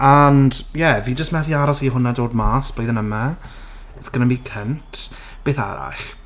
And, yeah, fi jyst methu aros i hwnna dod mas blwyddyn yma. It's going to be cunt. Beth arall?